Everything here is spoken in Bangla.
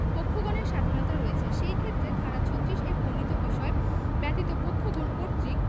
পক্ষগণের স্বাধীণতা রহিয়াছে সেইক্ষেত্রে ধারা ৩৬ এ বর্ণিত বিষয় ব্যতীত পক্ষগণ কর্তৃক